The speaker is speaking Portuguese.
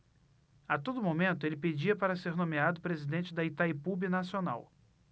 a todo momento ele pedia para ser nomeado presidente de itaipu binacional